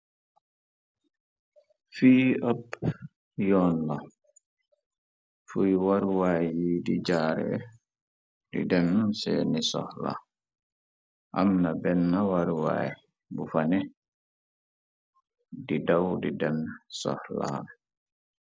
fi ab yoon la fuy waruwaay yi di jaare di dem seeni soxla amna benn waruwaay bu fane di daw di dem soxlaam